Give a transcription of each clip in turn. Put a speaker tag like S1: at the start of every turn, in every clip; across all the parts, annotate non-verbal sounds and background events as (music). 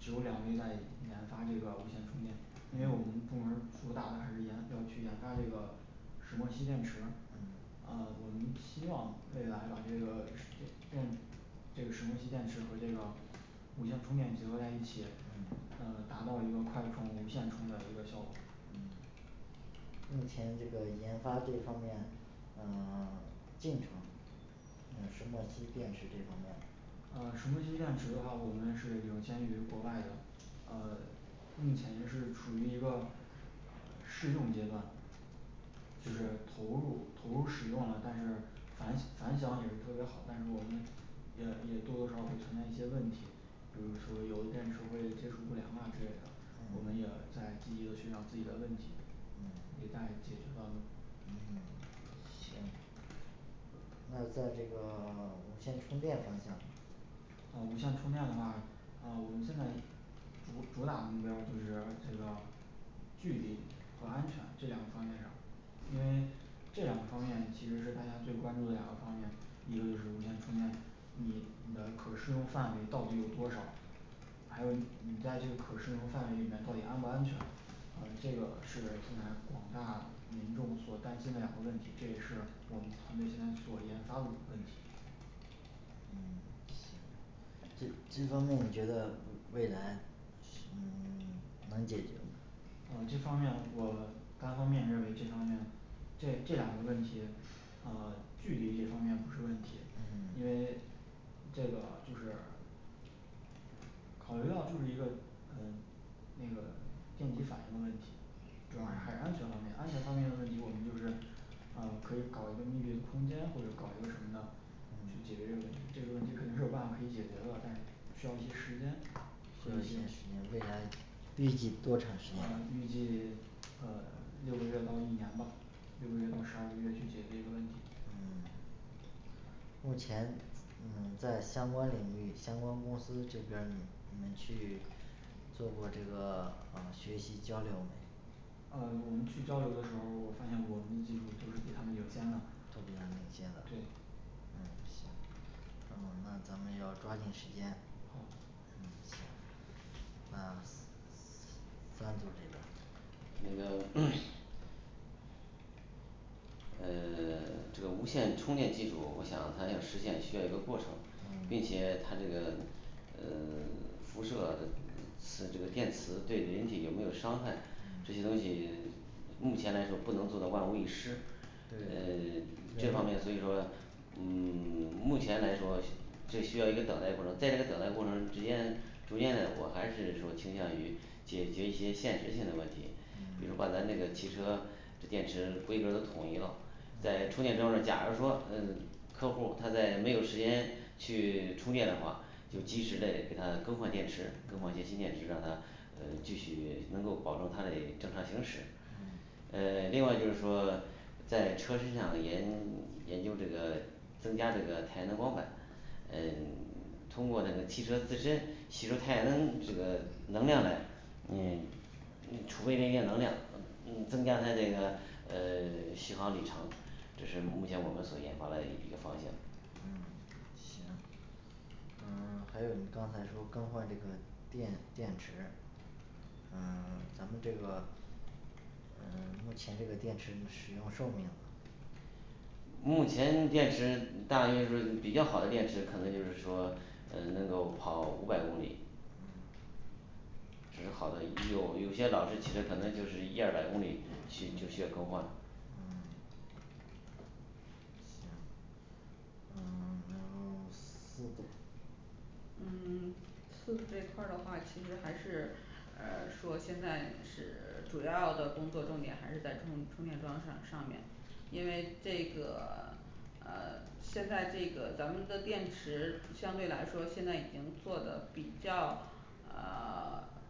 S1: 只有两位在研发这个无线充电因为我们部门儿主打的还是研要去研发这个石墨烯电池
S2: 嗯
S1: 呃我们期望未来把这个石电这个石墨烯电池和这个无线充电结合在一起
S2: 嗯
S1: 呃达到一个快充无线充的一个效果
S2: 嗯目前这个研发这方面呃 (silence) 进程嗯石墨烯电池这方面儿
S1: 呃石墨烯电池的话我们是领先于国外的呃 (silence) 目前是处于一个呃试用阶段就是投入投入使用了但是反反响也是特别好但是我们也也多多少少会存在一些问题比如说有的电池会接触不良啊之类的我
S2: 嗯
S1: 们也在积极的寻找自己的问题
S2: 嗯
S1: 也在解决当中
S2: 嗯行那在这个 (silence) 无线充电上看
S1: 啊无线充电的话啊我们现在主主打的目标儿就是这个距离和安全这两个方面上因为这两个方面其实是大家最关注的两个方面一个就是无线充电你你的可适用范围到底有多少？还有你你在这个可适用范围里面到底安不安全呃这个是现在广大民众所担心的两个问题，这也是我们团队现在所研发五 (unintelligible) 问题
S2: 嗯行这这方面你觉得嗯未来嗯 (silence) 能解决吗
S1: 哦这方面我单方面认为这方面这这两个问题呃距离这方面不是问题因
S2: 嗯
S1: 为这个就是考虑到就是一个嗯那个电极反应的问题主要还 (unintelligible) 还是
S2: 嗯
S1: 安全方面安全方面的问题我们就是呃可以搞一个密闭的空间，或者搞一个什么的去解决这个问题，这个问题肯定是有办法可以解决的但是需要一些时间
S2: 需
S1: 和
S2: 要
S1: 一
S2: 时
S1: 些
S2: 间未来预计多长时间
S1: 呃预计 (silence) 呃 (silence) 六个月到一年吧六个月到十二个月去解决一个问题
S2: 嗯目前嗯在相关领域相关公司这边儿你你们去 (silence) 做过这个呃学习交流没
S1: 呃我们去交流的时候儿，我发现我们的技术都是比他们领先的，
S2: 都是领先的
S1: 对
S2: 嗯行嗯那咱们要抓紧时间
S1: 好
S2: 嗯好的那三组这边呢
S3: 那个 (hesitation) 呃 (silence) 这个无线充电技术，我想它要实现需要一个过程并
S2: 嗯
S3: 且它这个 (silence) 呃 (silence) 辐射次 (unintelligible) 这个电磁对人体有没有伤害这些
S2: 嗯
S3: 问题 (silence) 目前来说不能做的万无一失
S2: 对
S3: 诶 (silence) 这方面可以说嗯 (silence) 目前来说最需要一个等待过程，在这个等待过程之间主要的我还是说倾向于解决一些现实性的问题比
S2: 嗯
S3: 如把咱这个汽车这电池规格统一喽在充电装置假如说嗯 (silence) 客户儿他在没有时间去充电的话就及时的给他更换电池，更换一些新电池，让他呃继续能够保证它的正常行驶
S2: 嗯
S3: 诶另外就是说在车身上呢研研究这个增加这个太阳能光板嗯 (silence) 通过这个汽车自身吸收太阳能这个能量呢嗫你 (unintelligible) 储备这些能量
S2: 嗯
S3: 嗯 (unintelligible) 你增加他这个嗯 (silence) 续航里程这是目前我们所研发的一个方向
S2: 嗯 (silence) 行嗯 (silence) 还有你刚才说更换这个电电池嗯 (silence) 咱们这个嗯目前这个电池使用寿命呢
S3: 目前你电池大约是比较好的电池，可能就是说嗯能够跑五百公里
S2: 嗯
S3: 只是好的，也有有些老司机其实可能就是一二百公里就需就需要更换。
S2: 嗯行那然后四组
S4: 嗯 (silence) 四组这一块儿的话其实还是呃说现在是主要的工作重点还是在充充电桩上上面因为这个 (silence) 呃 (silence) 现在这个咱们的电池相对来说现在已经做的比较呃 (silence)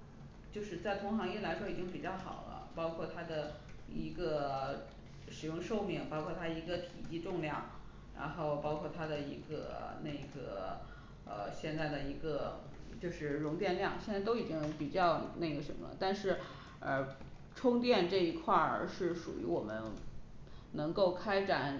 S4: 就是在同行业来说已经比较好了，包括它的一个 (silence) 使用寿命，包括它一个体积重量然后包括它的一个那个呃现在的一个就是容电量现在都已经比较那个什么了但是呃充电这一块儿是属于我们能够开展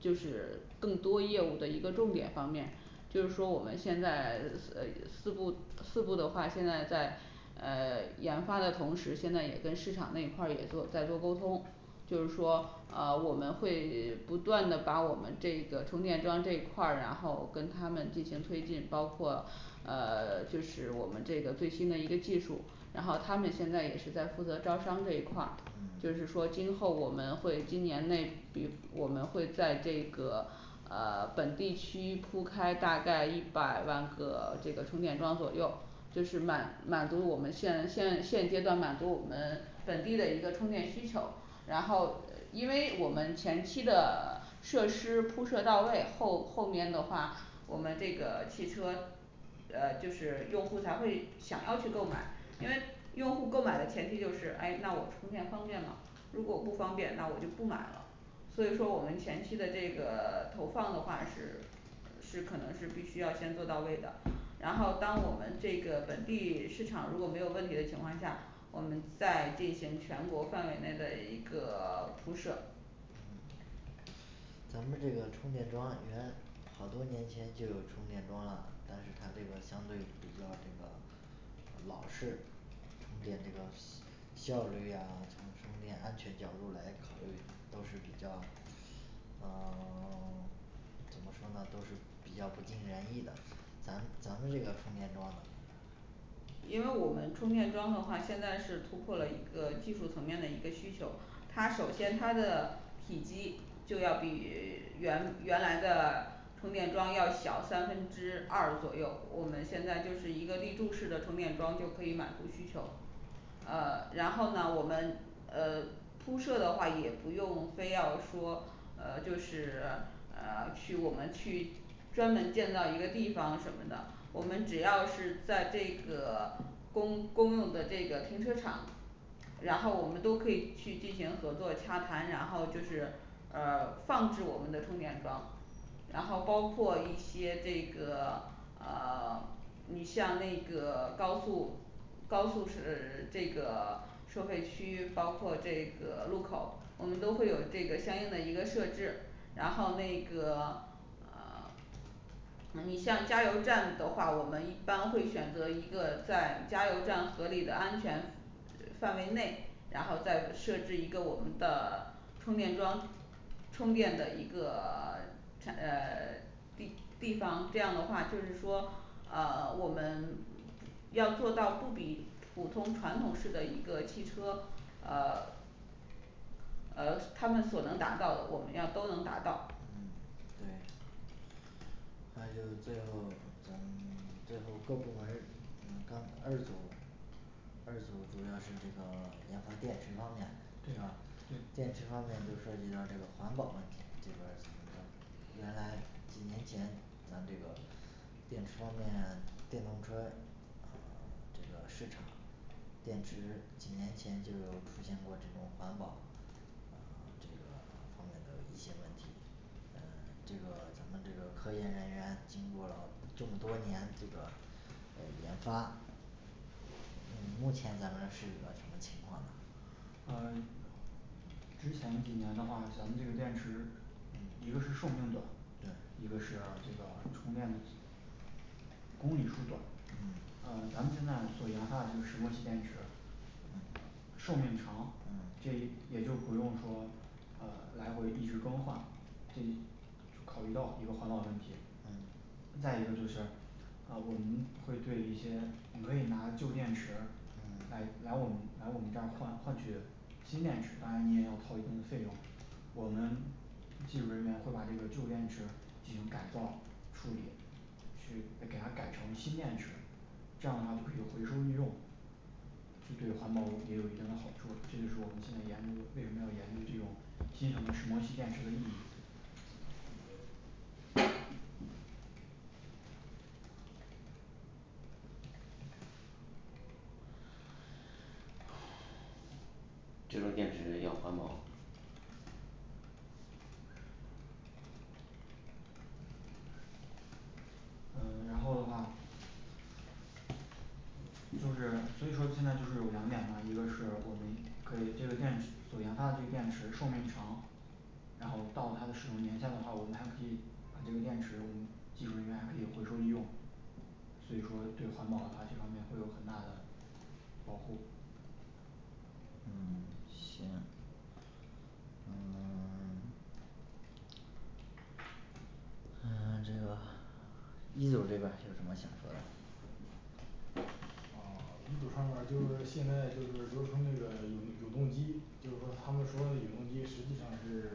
S4: 就是更多业务的一个重点方面就是说我们现在呃四部四部的话，现在在呃研发的同时，现在也在市场那一块儿也做在做沟通就是说啊我们会不断的把我们这个充电桩这一块儿，然后跟他们进行推进包括呃 (silence) 就是我们这个最新的一个技术然后他们现在也是在负责招商这一块儿就
S2: 嗯
S4: 是说今后我们会今年内比我们会在这个呃本地区铺开大概一百万个这个充电桩左右就是满满足了我们现现现阶段满足我们本地的一个充电需求然后因为我们前期的 (silence) 设施铺设到位，后后面的话我们这个汽车呃就是用户才会想要去购买，因为用户购买的前提就是哎那我充电方便吗如果我不方便那我就不买了所以说我们前期的这个投放的话是是可能是必须要先做到位的然后当我们这个本地市场如果没有问题的情况下我们再进行全国范围内的一个 (silence) 铺设
S2: 咱们这个充电桩啊原好多年前就有充电桩啊，但是它这个相对比较这个老式别这个 (crosstalk) 效率呀充电安全角度来考虑都是比较呃 (silence) 怎么说呢都是比较不尽人意的咱们咱们这个充电桩呢
S4: 因为我们充电桩的话，现在是突破了一个技术层面的一个需求它首先它的体积就要比 (silence) 原原来的充电桩要小三分之二左右，我们现在就是一个立柱式的充电桩，就可以满足需求呃然后呢我们呃 (silence) 铺设的话也不用非要说呃就是 (silence) 呃去我们去专门建造一个地方什么的我们只要是在这个公公用的这个停车场然后我们都可以去进行合作洽谈，然后就是呃放置我们的充电桩然后包括一些这个啊 (silence) 你像那个高速高速是这个收费区，包括这个路口我们都会有这个相应的一个设置然后那个 (silence) 呃 (silence) 那你像加油站的话，我们一般会选择一个在加油站合理的安全范围内然后再设置一个我们的充电桩充电的一个 (silence) 地地方这样的话就是说啊 (silence) 我们要做到不比普通传统式的一个汽车呃 (silence) 呃他们所能达到的我们要都能达到
S2: 嗯
S4: 对
S2: 还有最后嗯 (silence) 最后各部门儿刚二组儿二组儿主要是那个研发电池方面啊
S1: 对对
S2: 电池方面就涉及到这个环保问题这边儿怎么弄原来一年前咱这个电池方面电动车这个市场电池几年前就出现过这种环保呃这个 (silence) 方面的一些问题嗯这个咱们这个科研人员经过了这么多年这个呃研发目前咱们是一个什么情况啊
S1: 呃 (silence) 之前几年的话咱们这个电池一
S2: 嗯
S1: 个是寿命短
S2: 对
S1: 一个是这个充电里 (unintelligible) 公里数短
S2: 嗯
S1: 呃咱们现在所研发的就是石墨烯电池
S2: 嗯
S1: 寿命长
S2: 嗯
S1: 这也就不用说呃来回一直更换这就考虑到一个环保问题
S2: 嗯
S1: 再一个就是啊我们会对一些，你可以拿旧电池来
S2: 嗯
S1: 来我们来我们这儿换换取新电池，当然你也要掏一定的费用我们技术人员会把这个旧电池进行改造处理去把它改呀改成新电池这样的话就可以回收利用这对环保也有一定的好处，这就是我们现在研究为什么要研究这种新型的石墨烯电池的意义。
S3: 这种电池要环保
S1: 呃然后的话就是所以说现在就是有两点嘛，一个是我们可以这个电池所研发的这个电池寿命长，然后到它的使用年限的话，我们还可以把这个电池我们技术人员还可以回收利用所以说对环保的话这方面会有很大的保护
S2: 嗯 (silence) 行嗯 (silence) 嗯 (silence) 这个一组儿这边儿还有什么想说的
S5: 哦 (silence) 一组上边儿就是现在就是流程这个永永动机，就是说他们说的永动机实际上是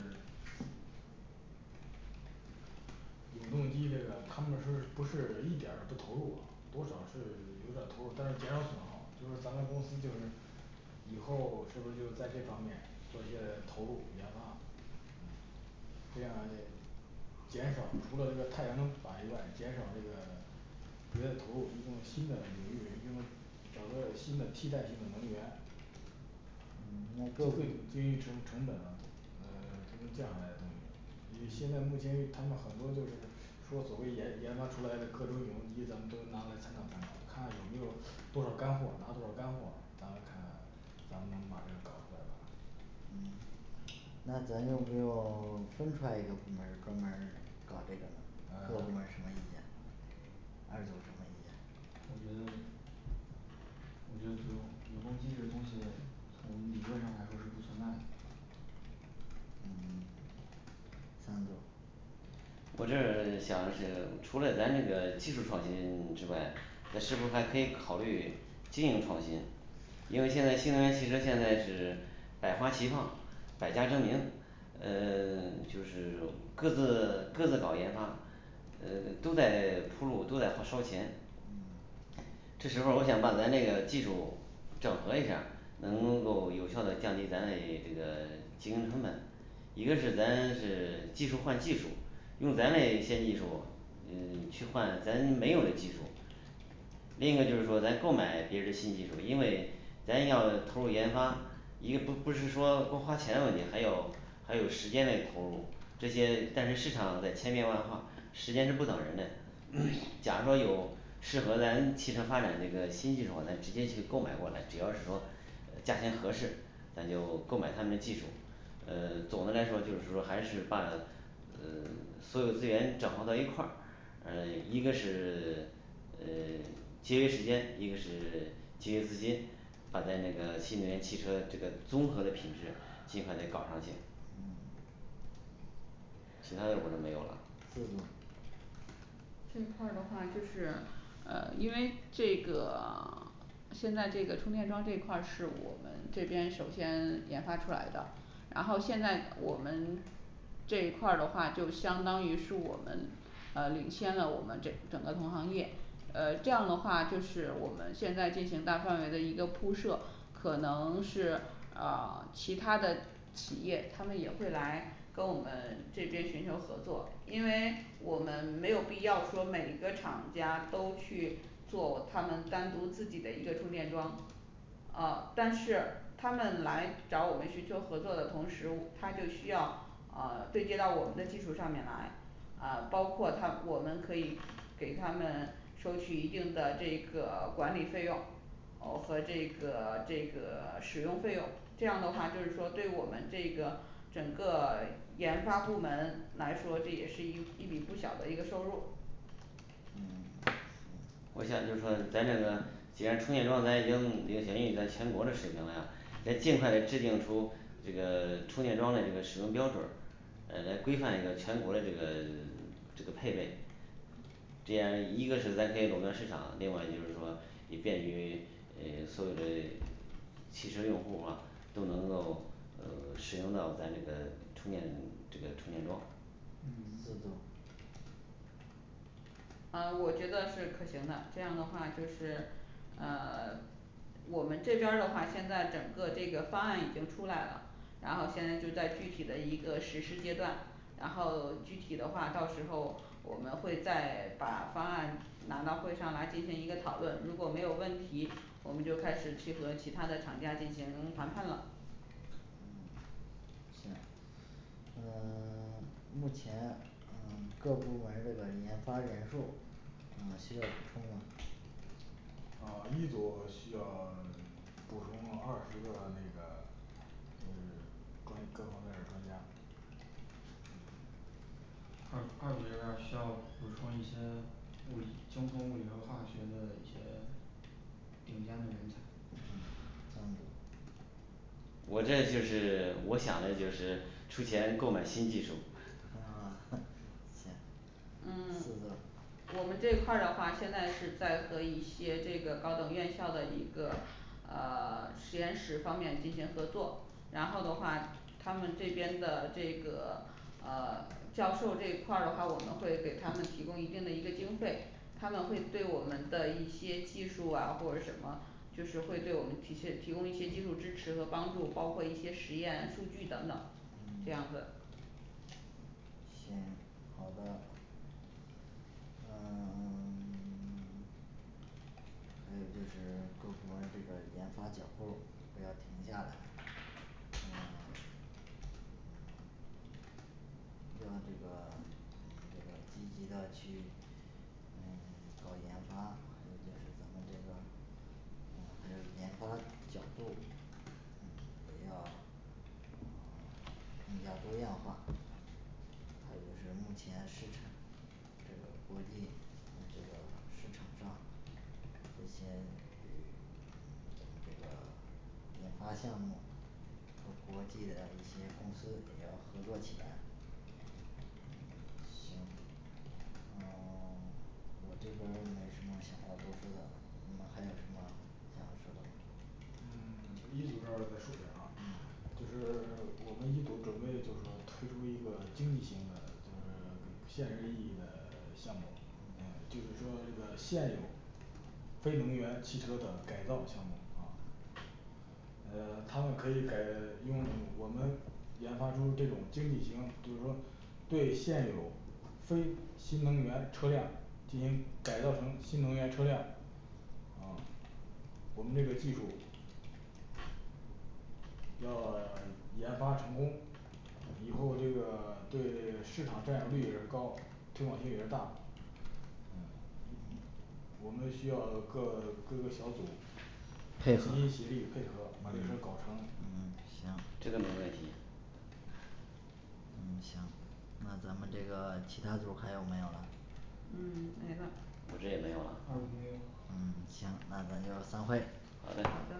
S5: 永动机这个他们说是不是一点儿也不投入啊，多少是有点儿投入，但是减少损耗，就是咱们公司就是以后是不是就在这方面做些投入研发
S2: 嗯
S5: 这样嘞减少除了这个太阳能板以外，减少这个 (silence) 别的投入，一种新的领域，一种整个新的替代性的能源
S2: 嗯那
S5: 都会
S2: 这
S5: 精益成成本啊呃它们降下来东西以现在目前他们很多就是说所谓研研发出来的各种永动机，咱们都拿来参照参照，看看有没有多少干货，拿多少干货啊，咱们看咱们能把这个搞出来呗
S2: 嗯那咱用不用 (silence) 分出来，一个部门儿专门儿搞这个呢各部
S1: 呃
S2: 门儿什么意见二组儿什么意见
S1: 我觉得我觉得不用永动机这个东西从理论上来说是不存在的
S2: 嗯 (silence) 三组
S3: 我这儿想的是除了咱那个技术创新之外，咱是不是还可以考虑经营创新因为现在新能源汽车现在是百花齐放百家争鸣呃 (silence) 就是各个各个搞研发呃 (silence) 都在铺路都在花 (unintelligible) 烧钱
S2: 嗯
S3: 这时候儿我想把咱那个技术整合一下儿能够有效的降低咱的这个经营成本。一个是咱是技术换技术用咱那些技术嗯 (silence) 去换，咱没有的技术另一个就是说咱购买别人的新技术因为咱要投入研发一个说不是说光花钱的问题，还有还有时间来投入这些，但是市场在千变万化时间是不等人的 (hesitation) 假如说有适合咱汽车发展这个新技术咱直接去购买过来，只要是说价钱合适咱就购买他们的技术呃 (silence) 总的来说就是说还是把呃 (silence) 所有资源整合到一块儿呃一个是 (silence) 呃节约时间，一个是 (silence) 节约资金把咱这个新能源汽车这个综合的品质尽快的搞上去
S2: 嗯
S3: 其他的我这没有了
S2: 四组
S4: 这一块儿的话就是呃因为这个 (silence) 现在这个充电桩这块是我们这边首先研发出来的然后现在我们这一块儿的话就相当于是我们啊领先了我们这 (unintelligible) 整个同行业呃这样的话就是我们现在进行大范围的一个铺设可能是啊其他的企业他们也会来跟我们这边寻求合作，因为我们没有必要说每一个厂家都去做他们单独自己的一个充电桩啊但是他们来找我们寻求合作的同时，他就需要呃对接到我们的技术上面来啊包括他我们可以给他们收取一定的这个管理费用哦和这个 (silence) 这个 (silence) 使用费用这样的话就是说对我们这个整个 (silence) 研发部门来说，这也是一一笔不小的一个收入。
S2: 嗯 (silence) 行
S3: 我想就是说咱这个既然充电桩咱已经领先咱全国的水平了咱尽快地制定出这个充电桩嘞这个使用标准儿呃来规范这个全国的这个 (silence) 这个配备这样一个是咱可以垄断市场另外一个就是说也便于呃所有的汽车用户儿啊都能够呃使用到咱这个充电这个充电桩儿
S2: 嗯
S4: 啊我觉得是可行的这样的话就是呃 (silence) 我们这边儿的话现在整个这个方案已经出来了然后现在就在具体的一个实施阶段然后具体的话到时候我们会再把方案拿到会上来进行一个讨论，如果没有问题我们就开始去和其他的厂家进行谈判了
S2: 嗯行嗯 (silence) 目前嗯 (silence) 各部门儿这个研发人数儿呃需要补充吗
S5: 啊一组需要 (silence) 补充二十个那个 (silence) 呃 (silence) 专各方面儿的专家
S2: 嗯
S1: 二组二组这边儿需要补充一些物理精通物理和化学的一些顶尖的人才
S2: 嗯三组
S3: 我这就是我想的就是出钱购买新技术
S2: 哦 (silence) (noise) 行
S4: 嗯 (silence)
S2: 四组儿
S4: 我们这一块儿的话现在是在和一些这个高等院校的一个啊 (silence) 实验室方面进行合作然后的话他们这边的这个啊 (silence) 教授这一块儿的话，我们会给他们提供一定的一个经费他们会对我们的一些技术啊或者什么就是会对我们提些提供一些技术支持和帮助，包括一些实验数据等等
S2: 嗯
S4: 这样的
S2: 行好的嗯嗯 (silence) 还有就是各部门儿这个研发脚步儿不要停下来嗯 (silence) 嗯就按这个嗯 (silence) 这个积极的去嗯 (silence) 搞研发还有就是咱们这个嗯还有研发角度也要呃更加多样化还有就是目前市场这个国际在这个市场上有些嗯咱们这个研发项目和国际的一些公司也要合作起来行呃 (silence) 我这边儿没什么想要多说的了你们还有什么想要说的吗
S5: 嗯 (silence) 一组儿这儿再说点儿啊
S2: 嗯
S5: 就是 (silence) 我们一组准备就是说推出一个经济型的就是给现实意义的 (silence) 项目儿嗯
S2: 嗯
S5: 就是说这个现有非能源汽车的改造项目
S2: 哦
S5: 呃 (silence) 他们可以改 (silence) 用我们研发出这种经济型，就是说对现有非新能源车辆进行改造成新能源车辆哦我们这个技术要 (silence) 研发成功以后这个对市场占有率也是高推广性也是大
S2: 嗯
S5: 一一我们需要各各个小组齐
S2: 配合
S5: 心协力配合把这个事
S2: 嗯
S5: 儿搞成
S2: 嗯行
S3: 这个没问题
S2: 嗯行那咱们这个其他组还有没有了
S4: 嗯 (silence) 没了
S3: 我这也没有了
S5: 二组没有
S2: 嗯行那咱就散会
S3: 好
S4: 好的
S3: 嘞